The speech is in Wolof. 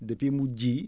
depuis mu ji